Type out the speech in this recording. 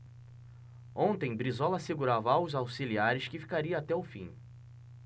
ontem brizola assegurava aos auxiliares que ficaria até o fim